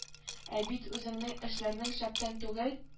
Ә бит үзеңнең эшләрең шәптән түгел